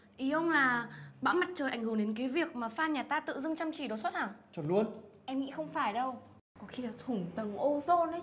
ý ông là bão mặt trời ảnh hưởng đến cái việc phan lãng tử nhà ta tự dưng chăm chỉ đột xuất hả em nghĩ không phải đâu có khi là thủng tầng ozon ấy chứ